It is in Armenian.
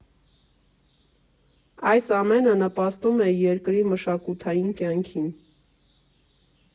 Այս ամենը նպաստում է երկրի մշակութային կյանքին։